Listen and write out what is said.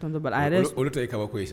Olu ta ye kabako ye sa.